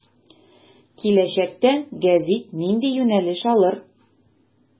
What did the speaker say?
Киләчәктә гәзит нинди юнәлеш алыр.